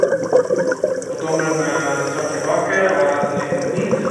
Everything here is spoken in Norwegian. Og dommeren svarte tilbake, og han hadde en liten kniv.